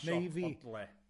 ...siop odle?